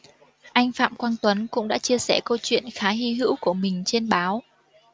anh phạm quang tuấn cũng đã chia sẻ câu chuyện khá hi hữu của mình trên báo